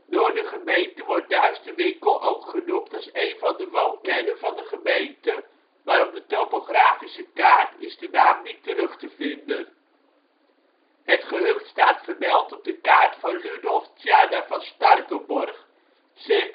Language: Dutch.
Door de gemeente wordt Duisterwinkel ook genoemd als een van de woonkernen van de gemeente, maar op de topografische kaart is de naam niet terug te vinden. Het gehucht staat vermeld op de kaart van Ludolph Tjarda van Starkenborgh (ca. 1690